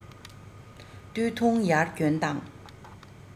སྟོད འཐུང ཡར གྱོན དང